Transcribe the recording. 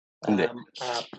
Yndi... yym